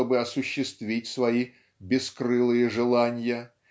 чтобы осуществить свои "бескрылые желанья"